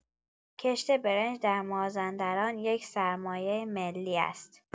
کشت برنج در مازندران یک سرمایه ملی است.